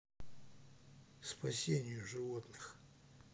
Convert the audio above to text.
спасению животных